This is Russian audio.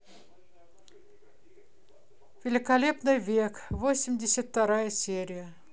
великолепный век восемьдесят вторая серия